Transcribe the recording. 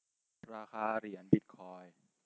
ราคาเหรียญบิทคอยน์